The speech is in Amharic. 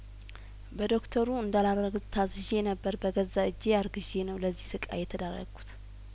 በዶክተሩ እንዳላረግዝ ታዝዤ ነበር በገዛ እጄ አርግዤ ነው ለዚህ ስቃይ የተዳረኩት